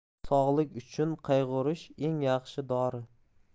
sog'lik uchun qayg'urish eng yaxshi dori